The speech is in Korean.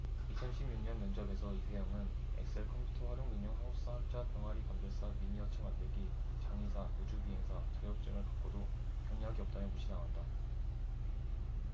이천 십 육 년 면접에서 이세영은 엑셀 컴퓨터활용능력 한국사 한자 병아리감별사 미니어처만들기 장의사 우주비행사 자격증을 갖고도 경력이 없다며 무시당한다